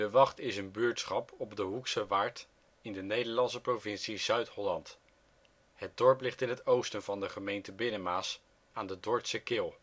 Wacht is een buurtschap op de Hoeksche Waard in de Nederlandse provincie Zuid-Holland. Het dorp ligt in het oosten van de gemeente Binnenmaas aan de Dordtse Kil